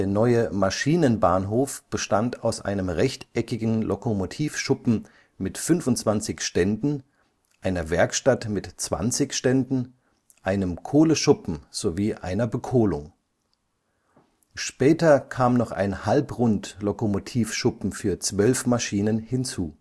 neue Maschinenbahnhof bestand aus einem rechteckigen Lokomotivschuppen mit 25 Ständen, einer Werkstatt mit 20 Ständen, einem Kohlenschuppen sowie einer Bekohlung. Später kam noch ein Halbrund-Lokomotivschuppen für zwölf Maschinen hinzu